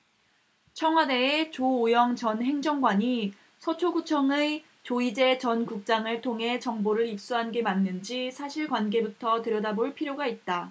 청와대의 조오영 전 행정관이 서초구청의 조이제 전 국장을 통해 정보를 입수한 게 맞는지 사실관계부터 들여다볼 필요가 있다